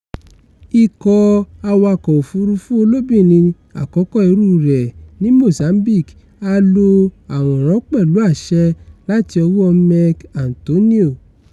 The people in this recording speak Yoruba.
Ikọ̀ awakọ̀ òfuurufú olóbìnrin àkọ́kọ́ irúu rẹ̀ ní Mozambique | A lo àwòrán pẹ̀lú àṣẹ láti ọwọ́ Meck Antonio.